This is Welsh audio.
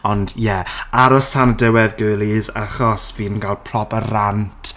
Ond ie, aros tan diwedd girlies. Achos fi'n gael proper rant.